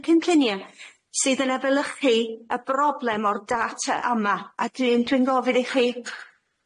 y cynllunie sydd yn efelychu y broblem o'r data yma a dwi'n dwi'n gofyn i chi